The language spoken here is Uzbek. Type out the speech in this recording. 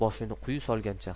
boshini quyi solgancha